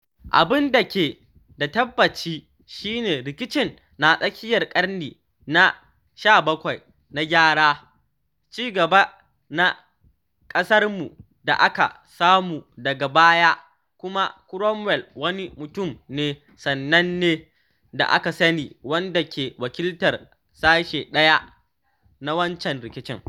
Abin da ke da tabbaci shi ne rikicin na tsakiyar ƙarni na 17 ya gyara ci gaba na ƙasarmu da aka samu daga baya, kuma Cromwell wani mutum ne sananne da aka sani wanda ke wakiltar sashe ɗaya na wancan rikicin.